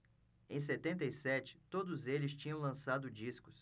em setenta e sete todos eles tinham lançado discos